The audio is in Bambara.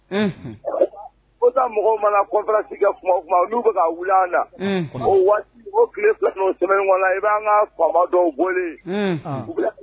Mɔgɔ mana ka wuli na ko tile fila sɛbɛn i b' ka faama dɔw bɔ